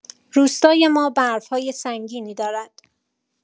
روستای ما برف‌های سنگینی دارد.